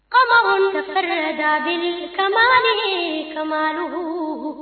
Faamakuntigɛ da kaindugu